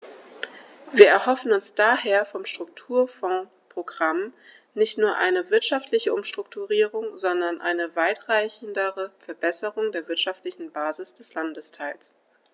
Wir erhoffen uns daher vom Strukturfondsprogramm nicht nur eine wirtschaftliche Umstrukturierung, sondern eine weitreichendere Verbesserung der wirtschaftlichen Basis des Landesteils.